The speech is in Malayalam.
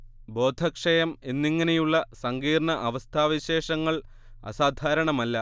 ബോധക്ഷയം എന്നിങ്ങനെയുള്ള സങ്കീർണ്ണ അവസ്ഥാവിശേഷങ്ങൾ അസാധാരണമല്ല